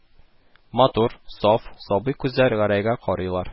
Матур, саф, сабый күзләр Гәрәйгә карыйлар